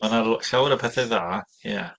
Mae 'na lo- llawer o pethau dda, ie.